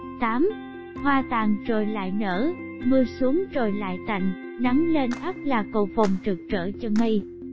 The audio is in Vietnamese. hoa tàn rồi lại nở mưa xuống rồi lại tạnh nắng lên ắt là cầu vồng rực rỡ chân mây